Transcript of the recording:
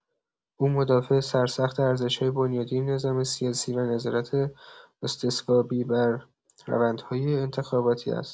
او مدافع سرسخت ارزش‌های بنیادی نظام سیاسی و نظارت استصوابی بر روندهای انتخاباتی است.